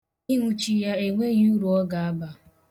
Ịnwụchi ya enweghị uru ọ ga-aba.